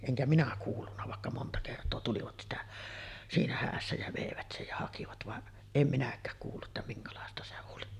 enkä minä kuullut vaikka monta kertaa tulivat sitä siinä hädässä ja veivät sen ja hakivat vaan en minäkään kuullut että minkälaista se oli